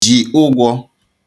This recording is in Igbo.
ji ụgwọ